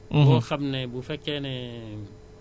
donc bu ñu ñëwee ci fas yi